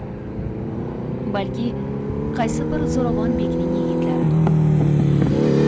balki qaysi bir zo'ravon bekning yigitlari